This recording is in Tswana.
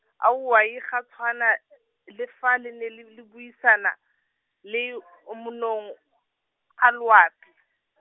a owai ga tshwana , le fa le ne le le buisana, le, o manong , a loapi.